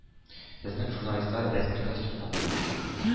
Безнең журналистлар рәсми костюмнан,